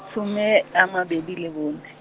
some, a mabedi le bone.